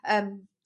yym